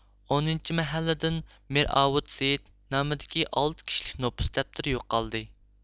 ئونىنچى مەھەللىدىن مىرئاۋۇت سېيىت نامىدىكى ئالتە كىشىلىك نوپۇس دەپتىرى يوقالدى